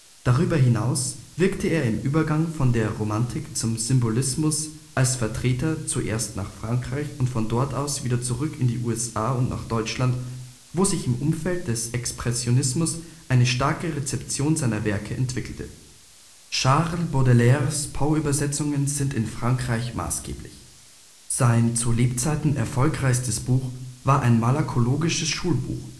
Darüber hinaus wirkte er im Übergang von der Romantik zum Symbolismus als Vermittler, zuerst nach Frankreich und von dort aus wieder zurück in die USA und nach Deutschland, wo sich im Umfeld des Expressionismus eine starke Rezeption seiner Werke entwickelte. Charles Baudelaires Poe-Übersetzungen sind in Frankreich maßgeblich. Sein zu Lebzeiten erfolgreichstes Buch war ein malakologisches Schulbuch